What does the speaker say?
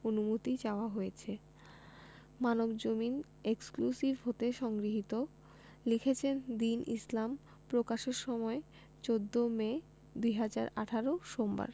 অনুমতি চাওয়া হয়েছে মানবজমিন এক্সক্লুসিভ হতে সংগৃহীত লিখেছেনঃ দীন ইসলাম প্রকাশের সময় ১৪ মে ২০১৮ সোমবার